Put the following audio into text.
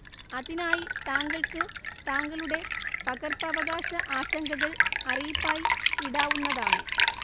അതിനായി താങ്കൾക്ക് താങ്കളുടെ പകർപ്പവകാശ ആശങ്കകൾ അറിയിപ്പായി ഇടാവുന്നതാണ്